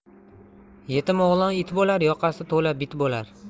yetim o'g'lon it bo'lar yoqasi to'la bit bo'lar